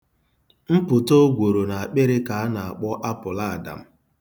Mpụta ogworo n'akpịrị ka a na-akpọ apụl Adam.